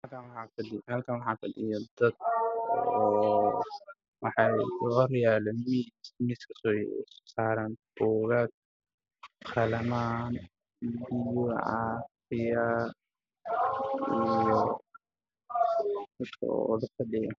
Waa hool waxaa iskugu imaaday niman waxa ay ku fadhiyaan kuraas cadaan ah suudaan ay wataan miis caddaan ayaa horyaalo